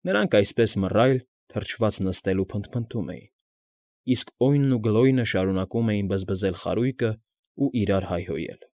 Նրանք այսպես մռայլ, թրջված նստել ու փնթփնթում էին, իսկ Օյնն ու Գլոյնը շարունակում էին բզբզել խարույկն ու իրար հայհոյել։